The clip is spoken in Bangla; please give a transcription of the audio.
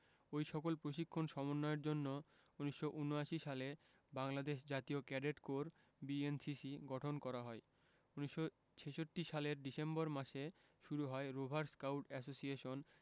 ওই সকল প্রশিক্ষণ সমন্বয়ের জন্য ১৯৭৯ সালে বাংলাদেশ জাতীয় ক্যাডেট কোর বিএনসিসি গঠন করা হয় ১৯৬৬ সালের ডিসেম্বর মাসে শুরু হয় রোভার স্কাউট অ্যাসোসিয়েশন